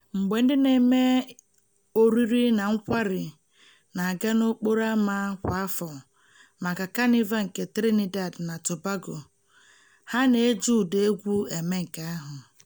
Mgbe ndị na-eme oriri na nkwari na-aga n'okporo ama kwa afọ maka Kanịva nke Trinidad na Tobago, ha na-eji ụda egwu eme nke ahụ.